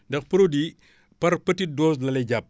ndax produits yi par peti dose lay jàpp